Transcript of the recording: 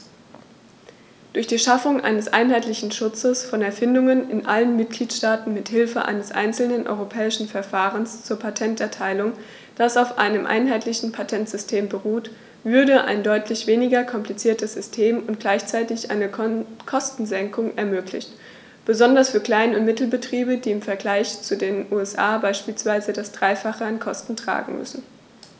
Durch die Schaffung eines einheitlichen Schutzes von Erfindungen in allen Mitgliedstaaten mit Hilfe eines einzelnen europäischen Verfahrens zur Patenterteilung, das auf einem einheitlichen Patentsystem beruht, würde ein deutlich weniger kompliziertes System und gleichzeitig eine Kostensenkung ermöglicht, besonders für Klein- und Mittelbetriebe, die im Vergleich zu den USA beispielsweise das dreifache an Kosten tragen müssen.